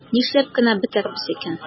Нишләп кенә бетәрбез икән?